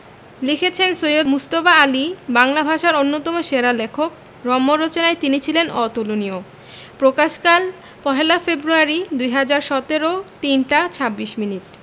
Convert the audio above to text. লিখেছেনঃ সৈয়দ মুজতবা আলী বাংলা ভাষার অন্যতম সেরা লেখক রম্য রচনায় তিনি ছিলেন অতুলনীয় প্রকাশকালঃ পহেলা ফেব্রুয়ারী ২০১৭ ৩টা ২৬ মিনিট